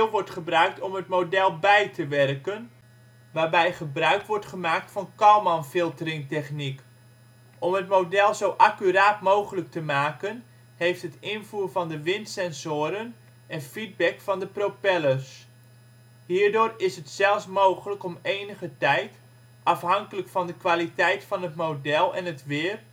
wordt gebruikt om het model bij te werken, waarbij gebruik wordt gemaakt van Kalman-filteringtechniek. Om het model zo accuraat mogelijk te maken, heeft het invoer van de windsensoren en feedback van de propellers. Hierdoor is het zelfs mogelijk om enige tijd, afhankelijk van de kwaliteit van het model en het weer